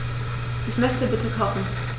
Ich möchte bitte kochen.